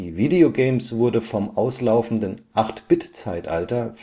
Video Games wurde vom auslaufenden 8-Bit-Zeitalter